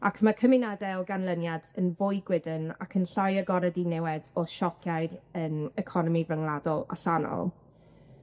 Ac ma' cymunede o ganlyniad yn fwy gwydyn ac yn llai agored i niwed o siociau yn economi ryngwladol allanol.